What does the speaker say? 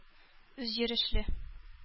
Үзйөрешле